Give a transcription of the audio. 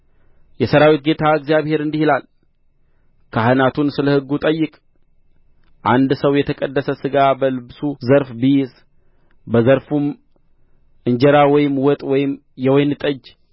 የሠራዊት ጌታ እግዚአብሔር እንዲህ ይላል ካህናቱን ስለ ሕጉ ጠይቅ አንድ ሰው የተቀደሰ ሥጋ በልብሱ ዘርፍ ቢይዝ በዘርፉም እንጀራ ወይም ወጥ ወይም የወይን ጠጅ